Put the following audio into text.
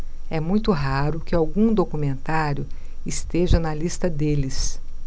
é muito raro que algum documentário esteja na lista deles